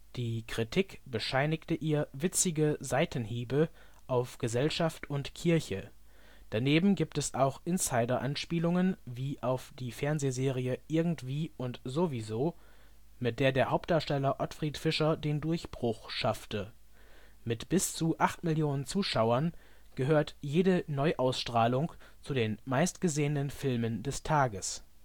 Die Kritik bescheinigte ihr witzige Seitenhiebe auf Gesellschaft und Kirche. Daneben gibt es auch Insider-Anspielungen wie auf die Fernsehserie Irgendwie und Sowieso, mit der der Hauptdarsteller Ottfried Fischer den Durchbruch schaffte. Mit bis zu 8 Millionen Zuschauern gehört jede Neuausstrahlung zu den meistgesehenen Filmen des Tages